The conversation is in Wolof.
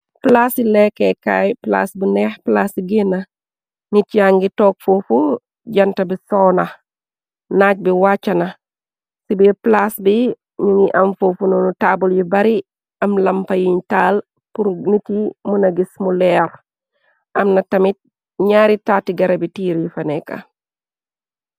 Plaas yi lekkeekaay plaas bu neex plaas yi ginna nit yàngi toog fuufu janta bi soona naaj bi wàccana ci bi plaas bi nini am foufu noonu taabul yi bari am lampa yiñ taal urg nityi muna gis mu leer amna tamit ñaari taati gara bi tiir yu faneeka.